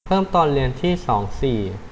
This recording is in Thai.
เพิ่มตอนเรียนที่สองสี่